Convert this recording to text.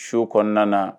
Su kɔnɔna kɔnɔna